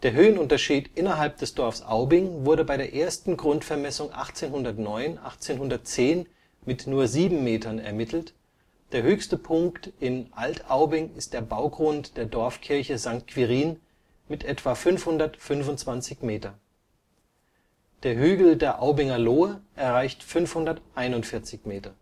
Höhenunterschied innerhalb des Dorfs Aubing wurde bei der ersten Grundvermessung 1809 / 10 mit nur sieben Metern ermittelt, der höchste Punkt in Alt-Aubing ist der Baugrund der Dorfkirche St. Quirin mit etwa 525 Meter. Der Hügel der Aubinger Lohe erreicht 541 Meter